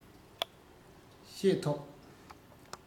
བཤད ཐུབ